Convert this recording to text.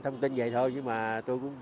ra thông tin vậy thôi chứ mà tôi cũng